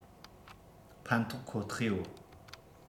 ཕན ཐོགས ཁོ ཐག ཡོད